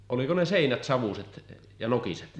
oliko ne seinät savuiset ja nokiset